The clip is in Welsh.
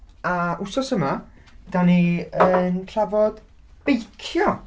A, wythos yma dan ni yn trafod beicio.